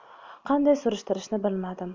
qanday surishtirishni bilmasdim